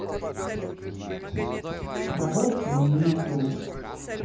проводки нету